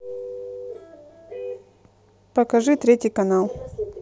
покажи третий канал